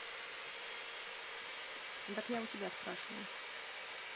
дак я у тебя спрашиваю